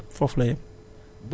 ba keroog ngay góob